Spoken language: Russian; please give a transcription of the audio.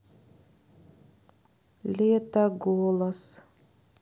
лето голос